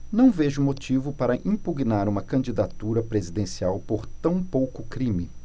não vejo motivo para impugnar uma candidatura presidencial por tão pouco crime